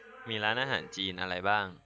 มีร้านอาหารจีนอะไรบ้าง